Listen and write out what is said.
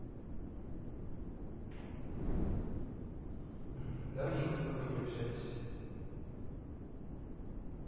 давненько с тобой не общались